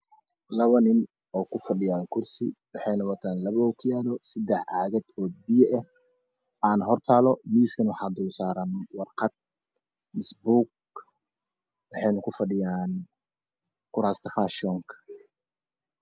Laba nin waxey watan labo okiyalo waxa yalo sadax cag wax horyalo mis waxn saran bug waxen kufadhn kuras o fashin ah